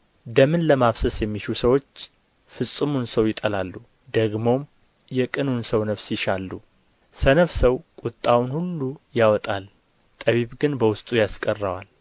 ደምን ለማፍሰስ የሚሹ ሰዎች ፍጹሙን ሰው ይጠላሉ ደግሞም የቅኑን ሰው ነፍስ ይሻሉ ሰነፍ ሰው ቍጣውን ሁሉ ያወጣል ጠቢብ ግን በውስጡ ያስቀረዋል